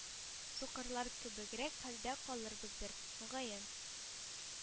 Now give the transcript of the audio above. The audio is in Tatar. Сукырлар кебегрәк хәлдә калырбыздыр, мөгаен.